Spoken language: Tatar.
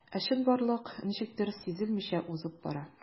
Ә чынбарлык ничектер сизелмичә узып бара.